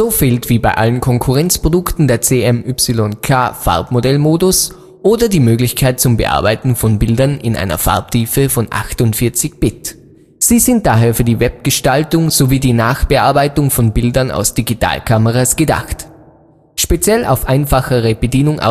fehlt wie bei allen Konkurrenzprodukten der CMYK-Farbmodellmodus oder die Möglichkeit zum Bearbeiten von Bildern in einer Farbtiefe von 48 Bit. Sie sind daher für Webgestaltung sowie Nachbearbeitung von Bildern aus Digitalkameras gedacht. Speziell auf einfachere Bedienung